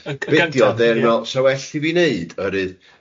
Y gy- ... Be' dio, de, o'n i'n meddwl, 'sa well i fi wneud oherwydd